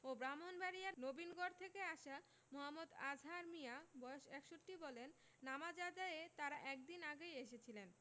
ও ব্রাহ্মণবাড়িয়ার নবীনগর থেকে আসা মো. আজহার মিয়া বয়স ৬১ বলেন নামাজ আদায়ে তাঁরা এক দিন আগেই এসেছিলেন